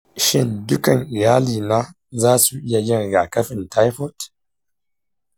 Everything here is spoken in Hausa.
shin dukan iyalina za su iya yin rigakafin taifoid?